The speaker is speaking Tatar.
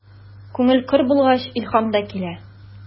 Күңел көр булгач, илһам да килә.